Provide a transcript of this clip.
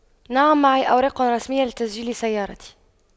نعم معي أوراق رسمية لتسجيل سيارتي